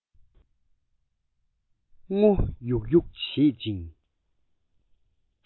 སྔོ ཡུག ཡུག བྱེད ཅིང